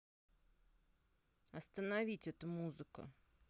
остановить эта музыка